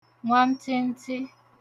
nwantịntị